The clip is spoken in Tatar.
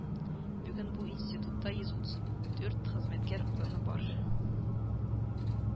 Бүген бу институтта йөз утыз хезмәткәр урыны бар